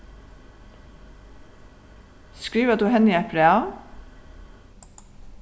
skrivar tú henni eitt bræv